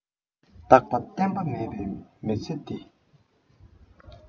རྟག པ བརྟན པ མེད པའི མི ཚེ འདི